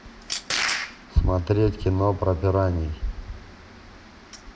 смотреть кино про пираний